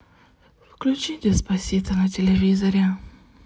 включи деспасито на телевизоре